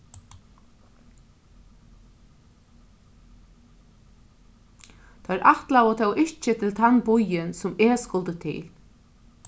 teir ætlaðu tó ikki til tann býin sum eg skuldi eg til